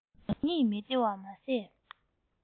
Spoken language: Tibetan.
རང ཉིད མི བདེ བ མ ཟད